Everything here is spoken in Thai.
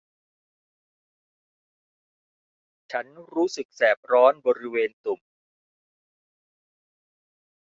ฉันรู้สึกแสบร้อนบริเวณตุ่ม